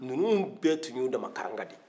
ninnu bɛɛ tun ye u damana karangaw ye